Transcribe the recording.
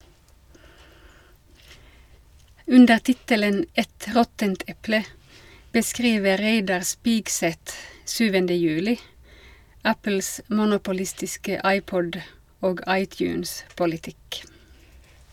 Under tittelen «Et råttent eple» beskriver Reidar Spigseth 7. juli Apples monopolistiske iPod- og iTunes-politikk.